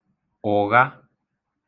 ụ̀gha